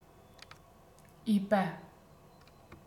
འོས པ